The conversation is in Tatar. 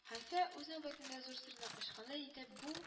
Хәлфә үз нәүбәтендә зур серне ачкандай итеп, бу